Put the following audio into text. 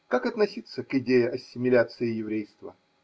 Как относиться к идее ассимиляции еврейства?